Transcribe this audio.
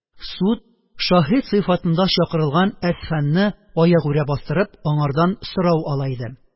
Суд шаһит сыйфатында чакыртылган Әсфанны аягүрә бастырып, аңардан сорау ала иде.